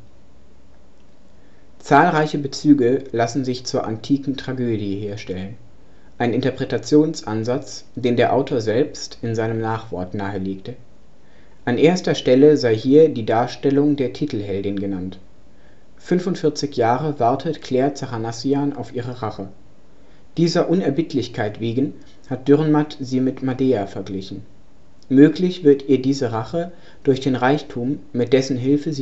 Zahlreiche Bezüge lassen sich zur antiken Tragödie herstellen; ein Interpretationsansatz, den der Autor selbst in seinem Nachwort nahelegte. An erster Stelle sei hier die Darstellung der Titelheldin genannt. 45 Jahre wartet Claire Zachanassian auf ihre Rache. Dieser Unerbittlichkeit wegen hat Dürrenmatt sie mit Medea verglichen. Möglich wird ihr diese Rache durch den Reichtum, mit dessen Hilfe